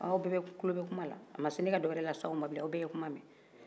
aw bɛɛ tulo bɛ kuma la a ma se ne ka dɔwɛrɛ lase aw ma bile aw bɛɛ ye kuma mɛn